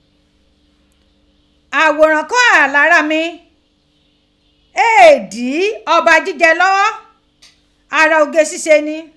Àghòrán kó ghà lára mi, ee dí ọba jíjẹ lọ́ọ́, ara oge ṣíṣe ni